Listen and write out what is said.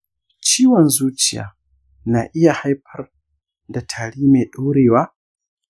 ciwon zuciya na iya haifar da tari mai ɗorewa?